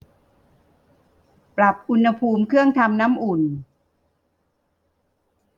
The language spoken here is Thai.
ปรับอุณหภูมิเครื่องทำน้ำอุ่น